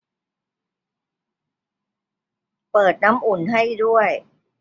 เปิดน้ำอุ่นให้ด้วย